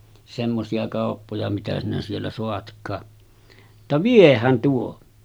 semmoisia kauppoja mitä sinä siellä saatkaan jotta viehän tuo